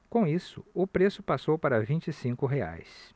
com isso o preço passou para vinte e cinco reais